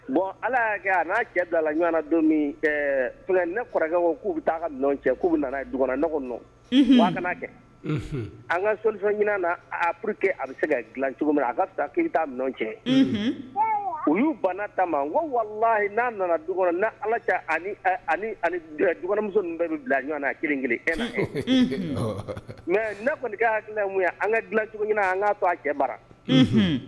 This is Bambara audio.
Bon ala n'a cɛ da a la ɲɔgɔn don min ne furakɛ ko k'u bɛ taa ka nɔn cɛ k'u du nɔgɔɔgɔ kana kɛ an ka so ɲinin na a p que a bɛ se ka dila cogo min a ka taa ki ta cɛ olu banna ta ko walahi n'a nana du kɔnɔ n' ala dumuso bɛɛ bɛ bila ɲɔgɔn kelen kelen mɛ ne kɔni hakili an ka dila cogo an ka to a cɛ bara